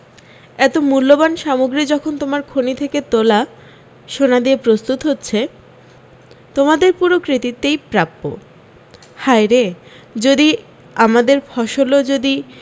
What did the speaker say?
এত মূল্যবান সামগ্রী যখন তোমাদের খনি থেকে তোলা সোনা দিয়ে প্রস্তুত হচ্ছে তোমাদের পুরো কৃতিত্বেই প্রাপ্য হায়রে যদি আমাদের ফসল ও যদি